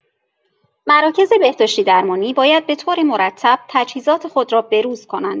مراکز بهداشتی‌درمانی باید به‌طور مرتب تجهیزات خود را به‌روز کنند.